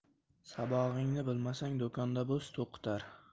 sabog'ingni bilmasang do'konda bo'z to'qitar